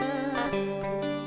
vâng